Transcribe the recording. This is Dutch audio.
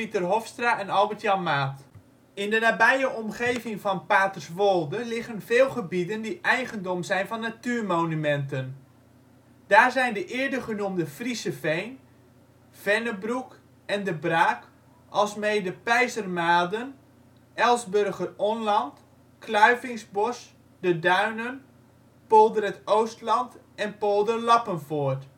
Hofstra en Albert Jan Maat. In de nabije omgeving van Paterswolde liggen veel gebieden die eigendom zijn van natuurmonumenten. Daar zijn de eerder genoemde Friese Veen, Vennebroek en De Braak, alsmede Peizermaden, Elsburger Onland, Kluivingsbos, De Duinen, Polder het Oostland en Polder Lappenvoort